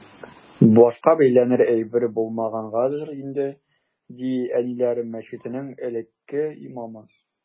Башка бәйләнер әйбер булмагангадыр инде, ди “Әниләр” мәчетенең элекке имамы.